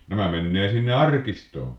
nämä menee sinne arkistoon